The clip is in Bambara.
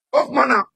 O ma